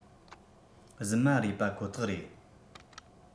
རྫུན མ རེད པ ཁོ ཐག རེད